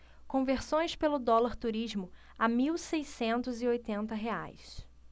conversões pelo dólar turismo a mil seiscentos e oitenta reais